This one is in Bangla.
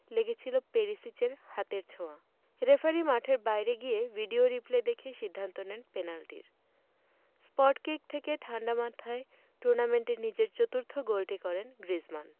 লেগেছিল পেরিসিচের হাতের ছোঁয়া রেফারি মাঠের বাইরে গিয়ে ভিডিও রিপ্লে দেখে সিদ্ধান্ত দেন পেনাল্টির স্পটকিক থেকে ঠাণ্ডা মাথায় টুর্নামেন্টে নিজের চতুর্থ গোলটি করেন গ্রিজমান